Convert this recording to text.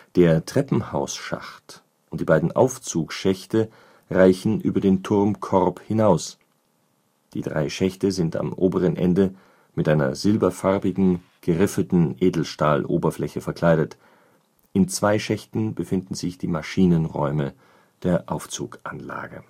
Der Treppenhausschacht und die beiden Aufzugschächte reichen über den Turmkorb hinaus. Die drei Schächte sind am oberen Ende mit einer silberfarbigen geriffelten Edelstahloberfläche verkleidet; in zwei Schächten befinden sich die Maschinenräume der Aufzuganlage